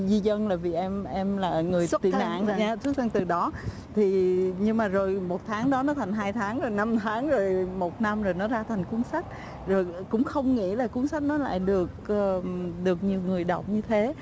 di dân là vì em em là người xuất thân từ đó thì nhưng mà rồi một tháng đó nó thành hai tháng năm tháng một năm rồi nó ra thành cuốn sách rồi cũng không nghĩ là cuốn sách nối lại được cường được nhiều người đọc như thế